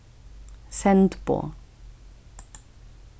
send boð